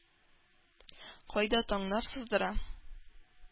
Кайда таңнар сыздыра;